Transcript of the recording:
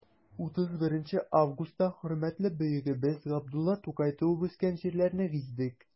31 августта хөрмәтле бөегебез габдулла тукай туып үскән җирләрне гиздек.